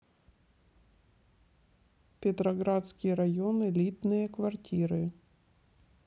петроградский район элитные квартиры